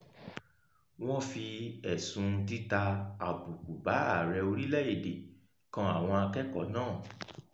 Wọ́n fi ẹ̀sùn "títa àbùkù bá Ààrẹ orílẹ̀-èdè" kan àwọn akẹ́kọ̀ọ́ náà.